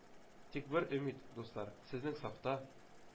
Тик бер өмит, дуслар: сезнең сафта